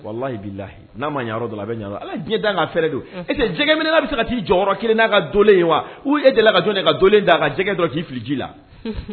Walahi bilahi n'a man ɲɛ yɔrɔ dɔ la a bɛ ɲɛ Ala ye diyɛn dan k'a fɛrɛest ce que jɛgɛminɛna bɛ se ka t'i jɔ yɔɔyɔ 1 n'a ka doolen wa ou e deli la ka jɔn de ye ka doolen da ka jɛgɛ dɔ k'i fili ji la.